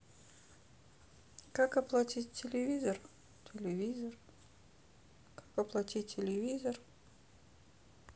как оплатить телевизор